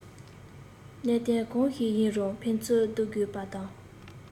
གནད དོན གང ཞིག ཡིན རུང ཕན ཚུན སྡུར དགོས པ དང